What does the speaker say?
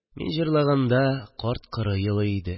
Мин җырлаганда карт-коры елый иде